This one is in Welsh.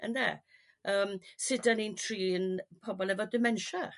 Ynde? Yrm sud dan ni'n trin pobl efo dimentia?